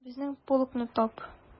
Безнең полкны тап...